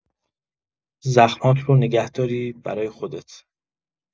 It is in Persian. زخم‌هات رو نگه‌داری برای خودت!